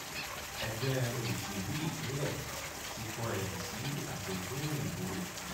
4. Ẹgbẹ́ òṣèlú-ìpínlẹ̀ ti kọ ẹ̀yìn sí àjọ̀dún Òyìnbó.